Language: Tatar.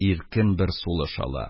Иркен бер сулыш ала.